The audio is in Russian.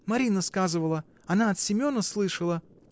— Марина сказывала — она от Семена слышала.